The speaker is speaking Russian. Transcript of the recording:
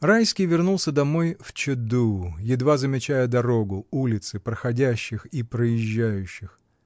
Райский вернулся домой в чаду, едва замечая дорогу, улицы, проходящих и проезжающих.